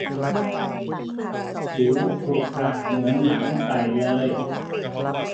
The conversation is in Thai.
ผิวขรุขระเหมือนหนังไก่เลย